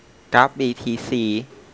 กราฟบีทีซี